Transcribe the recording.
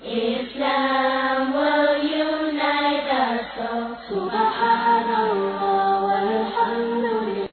Miniyan mɔninɛ kakuma